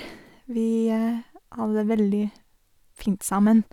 Vi hadde det veldig fint sammen.